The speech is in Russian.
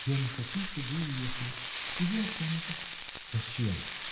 — Я не хочу, чтоб вы уехали, — и вы останетесь. — Зачем?